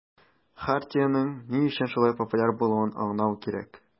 Хартиянең ни өчен шулай популяр булуын аңлау кирәк.